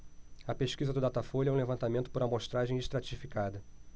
a pesquisa do datafolha é um levantamento por amostragem estratificada